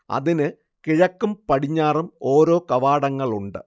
അതിനു കിഴക്കും പടിഞ്ഞാറും ഓരോ കവാടങ്ങളുണ്ട്